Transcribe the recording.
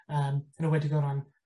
Yym yn ewedig o ran